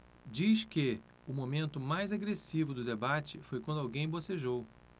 diz que o momento mais agressivo do debate foi quando alguém bocejou